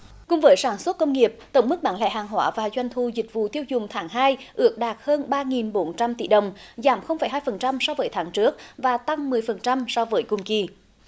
cùng với sản xuất công nghiệp tổng mức bán lẻ hàng hóa và doanh thu dịch vụ tiêu dùng tháng hai ước đạt hơn ba nghìn bốn trăm tỷ đồng giảm không phẩy hai phần trăm so với tháng trước và tăng mười phần trăm so với cùng kỳ